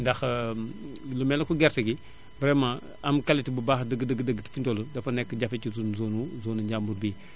ndax lu mel ne ku gerte gi vraiment am qualité bu baax dëgg dëgg dëgg fi mu toll dafa nekk jafe-jafe si suñu zone nu zone nu njambur bii